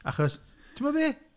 Achos, timod be?